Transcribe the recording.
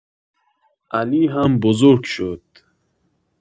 علی هم بزرگ شد.